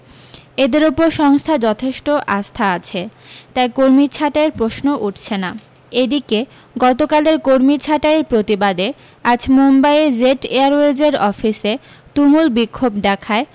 এদের উপর সংস্থার যথেষ্ট আস্থা আছে তাই কর্মী ছাঁটাইয়ের প্রশ্ন উঠছে না এদিকে গতকালের কর্মী ছাঁটাই এর প্রতিবাদে আজ মুম্বাইয়ে জেট এয়ারওয়েজের অফিসে তুমুল বিক্ষোভ দেখায়